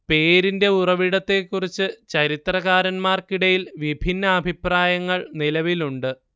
പേരിന്റെ ഉറവിടത്തെക്കുറിച്ച് ചരിത്രകാരന്മാർക്കിടയിൽ വിഭിന്ന അഭിപ്രായങ്ങൾ നിലവിലുണ്ട്